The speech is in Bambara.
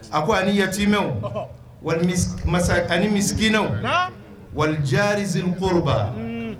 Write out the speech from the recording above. A ko ani yatimɛw ani misiinaw wali jari zzkɔrɔba